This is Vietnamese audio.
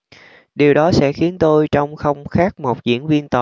điều đó sẽ khiến tôi trông không khác một diễn viên tồi